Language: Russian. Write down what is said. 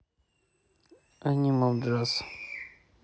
энимал джаз